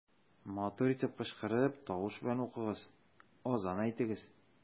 Матур итеп кычкырып, тавыш белән укыгыз, азан әйтегез.